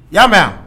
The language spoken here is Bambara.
I y'a mɛn wa?